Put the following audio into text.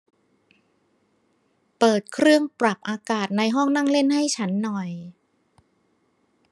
เปิดเครื่องปรับอากาศในห้องนั่งเล่นให้ฉันหน่อย